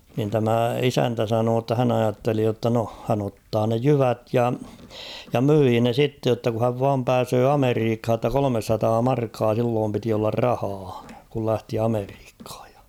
niin tämä isäntä sanoi jotta hän ajatteli jotta no hän ottaa ne jyvät ja ja myi ne sitten jotta kun hän vain pääsee Amerikkaan jotta kolmesataa markkaa silloin piti olla rahaa kun lähti Amerikkaan ja